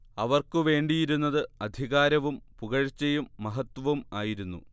അവർക്കുവേണ്ടിയിരുന്നത് അധികാരവും പുകഴ്ച്ചയും മഹത്ത്വവും ആയിരുന്നു